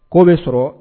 ' bɛ sɔrɔ